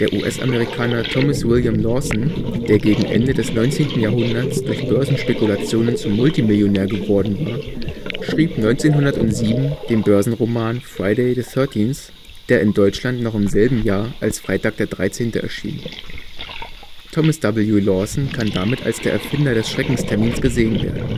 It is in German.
US-Amerikaner Thomas William Lawson, der gegen Ende des 19. Jahrhunderts durch Börsenspekulationen zum Multimillionär geworden war, schrieb 1907 den Börsenroman Friday the 13th, der in Deutschland noch im selben Jahr als Freitag der 13. erschien. Thomas W. Lawson kann damit als der Erfinder des Schreckenstermins gesehen werden